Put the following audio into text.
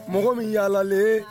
Mɔgɔ min yaalen